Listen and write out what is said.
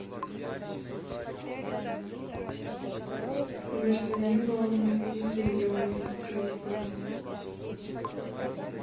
между небом и землей клипы